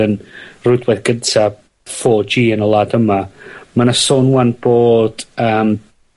yn rhwydwaith gyntaf four geeyn y wlad yma. Ma' 'na sôn 'wan bod yym,